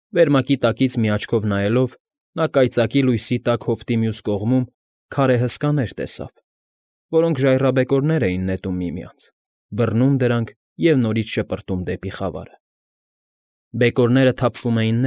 Վերմակի տակից մի աչքով նայելով՝ նա կայծակի լույսի տակ հովտի մյուս կողմում քարե հսկաներ տեսավ, որոնք ժայռաբեկորներ էին նետում միմյանց, բռնում դրանք և նորից շպրտում դեպի խավարը. բեկորները թափվում էին։